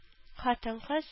Хатын-кыз